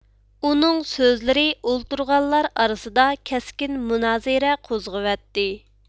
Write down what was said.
ئۇنىڭ سۆزلىرى ئولتۇرغانلار ئارىسىدا كەسكىن مۇنازىرە قوزغىۋەتتى